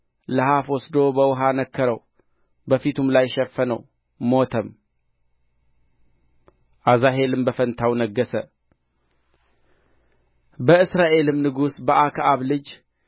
ለሐፍ ወስዶ በውኃ ነከረው በፊቱም ላይ ሸፈነው ሞተም አዛሄልም በፋንታው ነገሠ በእስራኤልም ንጉሥ በአክዓብ ልጅ